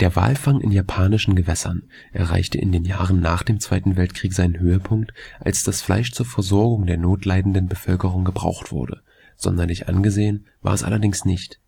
Walfang in japanischen Gewässern erreichte in den Jahren nach dem Zweiten Weltkrieg seinen Höhepunkt, als das Fleisch zur Versorgung der Not leidenden Bevölkerung gebraucht wurde; sonderlich angesehen war es allerdings nicht